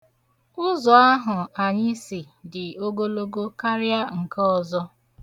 Ụzọ ahụ anyị si dị ogologo karịa nke ọzọ.